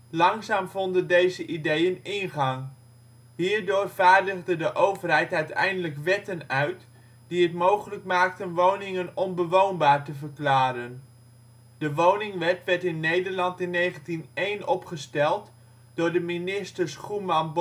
Langzaam vonden deze ideeën ingang. Hierdoor vaardigde de overheid uiteindelijk wetten uit die het mogelijk maakten woningen onbewoonbaar te verklaren. De woningwet werd in Nederland in 1901 opgesteld door de ministers Goeman